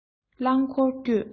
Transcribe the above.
རླང འཁོར བསྐྱོད